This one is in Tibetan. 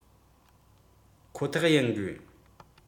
ཁོ ཐག ཡིན དགོས